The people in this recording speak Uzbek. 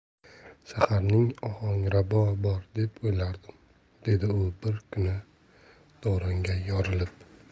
shaharning ohanrabosi bor deb o'ylardim dedi u bir kuni davronga yorilib